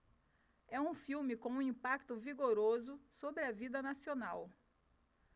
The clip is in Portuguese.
é um filme com um impacto vigoroso sobre a vida nacional